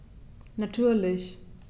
Natürlich.